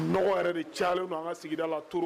Nɔgɔ yɛrɛ de cayalen do an ŋa sigida la trop